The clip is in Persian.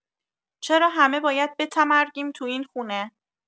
چرا همه باید بتمرگیم تو این خونه؟